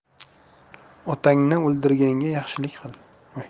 otangni o'ldirganga yaxshilik qil